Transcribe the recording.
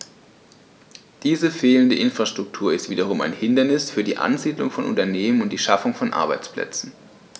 Diese fehlende Infrastruktur ist wiederum ein Hindernis für die Ansiedlung von Unternehmen und die Schaffung von Arbeitsplätzen.